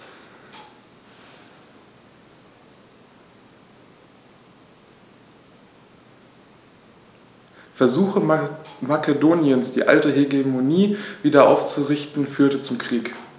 Versuche Makedoniens, die alte Hegemonie wieder aufzurichten, führten zum Krieg.